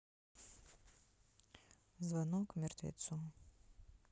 звонок мертвецу